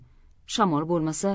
shamol bo'lmasa